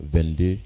22